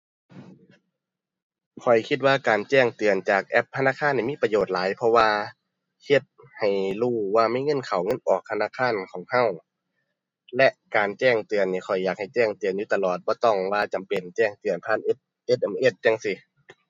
ข้อยคิดว่าการแจ้งเตือนจากแอปธนาคารนี่มีประโยชน์หลาย เพราะว่าเฮ็ดให้รู้ว่ามีเงินเข้าเงินออกธนาคารของเรา และการแจ้งเตือนนี่ข้อยอยากให้แจ้งเตือนอยู่ตลอด บ่ต้องว่าจำเป็นแจ้งเตือนผ่านเอด SMS จั่งซี้